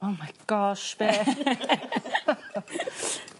Oh my gosh be?